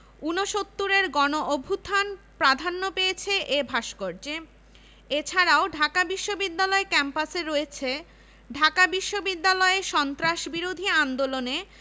উনসত্তুরের গণঅভ্যুত্থান প্রাধান্য পেয়েছে এ ভাস্কর্যে এ ছাড়াও ঢাকা বিশ্ববিদ্যালয় ক্যাম্পাসে রয়েছে ঢাকা বিশ্ববিদ্যালয়ে সন্ত্রাসবিরোধী আন্দোলনে